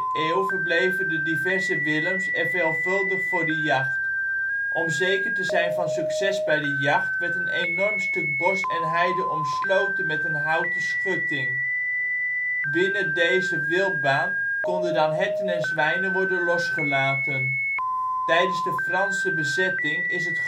eeuw verbleven de diverse Willems er veelvuldig voor de jacht. Om zeker te zijn van succes bij de jacht werd een enorm stuk bos en heide omsloten met een houten schutting. Binnen deze wildbaan konden dan herten en zwijnen worden losgelaten. Tijdens de Franse bezetting is het